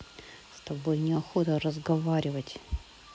с тобой не охота разговаривать